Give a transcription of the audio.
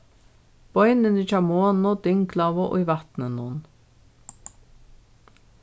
beinini hjá monu dinglaðu í vatninum